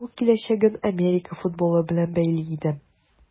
Ул киләчәген Америка футболы белән бәйли иде.